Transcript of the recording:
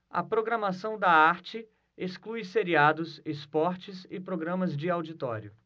a programação da arte exclui seriados esportes e programas de auditório